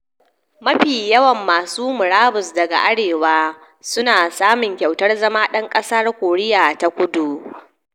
Mafi yawan masu murabus daga Arewa su na samun kyautar zama dan kasar Koriya ta kudu.